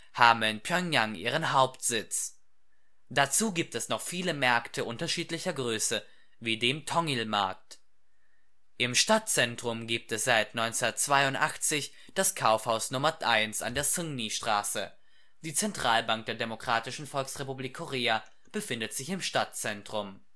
haben in Pjöngjang ihren Hauptsitz. Dazu gibt es noch viele Märkte unterschiedlicher Größe wie dem Tongil Markt. Im Stadtzentrum gibt es seit 1982 das Kaufhaus Nr. 1 an der Sungri-Straße. Die Zentralbank der Demokratischen Volksrepublik Korea befindet sich im Stadtzentrum